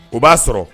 O b'a sɔrɔ